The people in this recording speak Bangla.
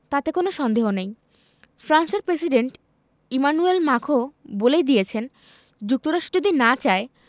তাতে কোনো সন্দেহ নেই ফ্রান্সের প্রেসিডেন্ট ইমানুয়েল মাখোঁ বলেই দিয়েছেন যুক্তরাষ্ট্র যদি না চায়